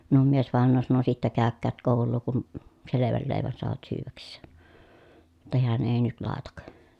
minun miesvainaja sanoi sitten käykööt koulua kun selvän leivän saavat syödäkseen jotta hän ei nyt laita